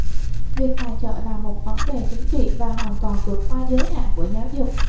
việc tài trợ là một vấn đề chính trị và hoàn toàn vượt qua giới hạn của giáo dục